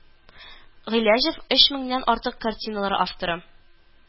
Гыйләҗев өч меңннән артык картиналар авторы